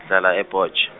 ngihlala e- Potch.